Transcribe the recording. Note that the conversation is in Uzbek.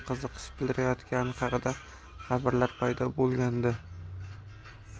qiziqish bildirayotgani haqida xabarlar paydo bo'lgandi